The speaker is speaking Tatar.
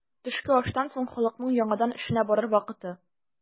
Төшке аштан соң халыкның яңадан эшенә барыр вакыты.